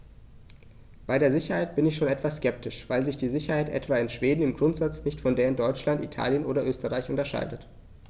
Bei der Sicherheit bin ich schon etwas skeptisch, weil sich die Sicherheit etwa in Schweden im Grundsatz nicht von der in Deutschland, Italien oder Österreich unterscheidet.